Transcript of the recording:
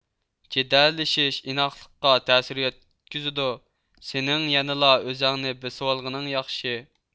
جېدەللىشىش ئىناقلىققا تەسىر يەتكۈزىدۇ سېنىڭ يەنىلا ئۆزۈڭنى بېسىۋالغىنىڭ ياخشى